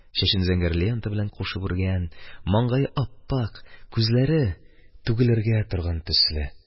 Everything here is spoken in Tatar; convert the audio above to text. Чәчен зәңгәр лента белән кушып үргән, маңгае ап-ак, күзләре түгелергә торган төсле.